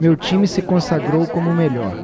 meu time se consagrou como o melhor